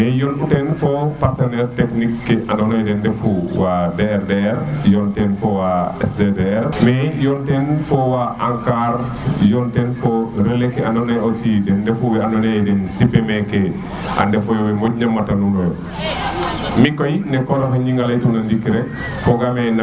yon u ten fo partenaire technique ke ando na ye den ndefu wa DRDR yoon ten fo wa SDRR mais yoon ten fo wa Ancar yoon ten fo relais ke andona ye aussi den ndefu wo ando na ye den sime meke a ndef we moƴ ma mata nuuno yo mikoy ne koro xe Gning a ley tuna ngiki rek fogame